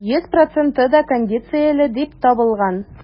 Йөз проценты да кондицияле дип табылган.